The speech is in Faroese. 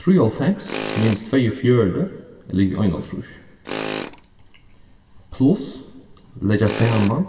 trýoghálvfems minus tveyogfjøruti er ligvið einoghálvtrýss pluss leggja saman